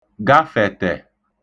gafẹ̀tẹ̀